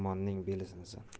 yomonning beli sinsin